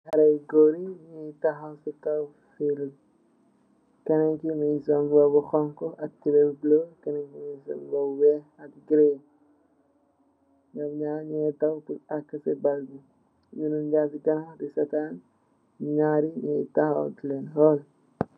ra gori, nyungi tagaw si kaw fil b,kenaki mungii sol mbubaa bu green ak khonkhu, kenenki mungii sol bu wehk.